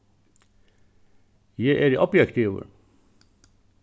eg eri objektivur